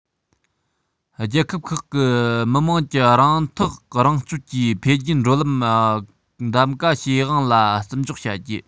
རྒྱལ ཁབ ཁག གི མི དམངས ཀྱི རང ཐག རང གཅོད ཀྱིས འཕེལ རྒྱས འགྲོ ལམ གདམ ག བྱེད དབང ལ བརྩི འཇོག བྱ རྒྱུ